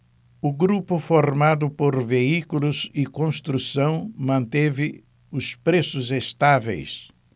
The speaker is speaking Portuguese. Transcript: o grupo formado por veículos e construção manteve os preços estáveis